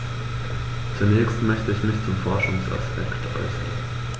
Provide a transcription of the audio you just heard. Zunächst möchte ich mich zum Forschungsaspekt äußern.